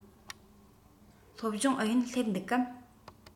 སློབ སྦྱོང ཨུ ཡོན སླེབས འདུག གམ